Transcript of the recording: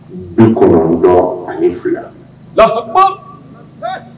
Den kɔnɔn ani fila